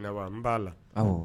Nawa n b'a la, awɔ